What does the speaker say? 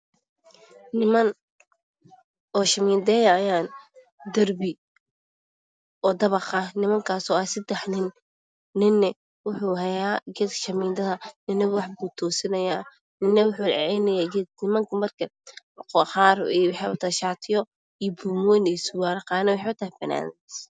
Niman ooshimidaynaya darbi oo dabaqa nimankaas oo sadexa nin nin wuxu hayaa geedka shimidada Nina wuxu hayaa wax nimanka qaar waxay wataan shaatiyo buumoyin qaarna waxay wataan fanaanad